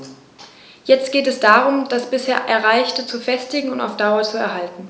Jetzt geht es darum, das bisher Erreichte zu festigen und auf Dauer zu erhalten.